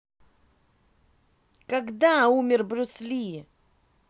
когда умер брюс ли